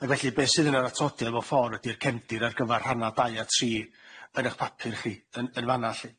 Ag felly be sydd yn yr atodiad mewn ffor ydi'r cefndir ar gyfar rhanna dau a tri yn eich papur chi yn- yn fan'na lly.